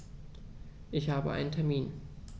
Ich habe einen Termin.